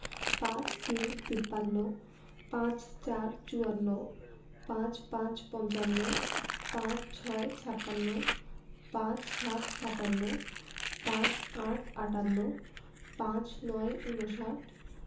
৫৩ - তিপ্পান্ন ৫৪ - চুয়ান্ন ৫৫ – পঞ্চান্ন ৫৬ – ছাপ্পান্ন ৫৭ – সাতান্ন ৫৮ – আটান্ন ৫৯ - ঊনষাট